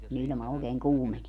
kun ilma oikein kuumenee